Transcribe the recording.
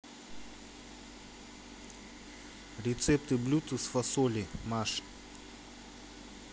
рецепты блюд из фасоли маш